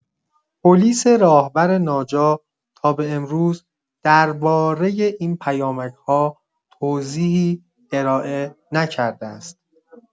پلیس راهور ناجا تا به امروز درباره این پیامک‌ها توضیحی ارائه نکرده است.